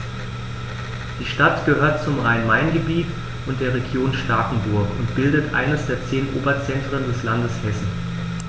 Die Stadt gehört zum Rhein-Main-Gebiet und der Region Starkenburg und bildet eines der zehn Oberzentren des Landes Hessen.